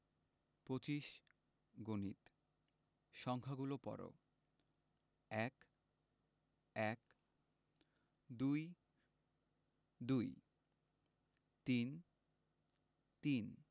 ২৫ গণিত সংখ্যাগুলো পড়ঃ ১ - এক ২ - দুই ৩ - তিন